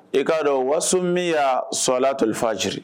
E k'a dɔn waso min y'a sɔla tɔlifa jiri